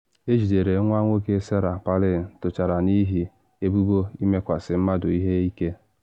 Ejidere Nwa Nwoke Sarah Palin Tọchara N’ihi Ebubo Ịmekwasị Mmadụ Ihe Ike